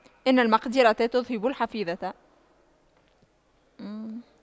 إن المقْدِرة تُذْهِبَ الحفيظة